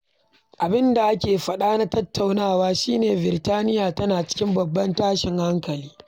Abin da ake faɗa na tattaunawa shi ne Birtaniyya tana cikin babban tashin hankali.